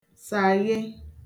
sàghe